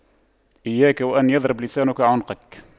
إياك وأن يضرب لسانك عنقك